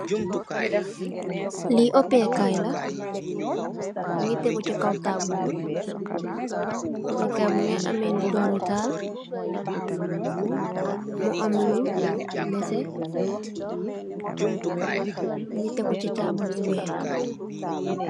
Lii uppey kaay la, mu ngi teggu ci taabul bi, mu ngi amee döömi taal, am lu nétté, mu ngi teggu ci taabul bu weex.